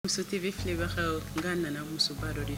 Muso tɛ bɛ filɛbaga n nana musoba dɔ de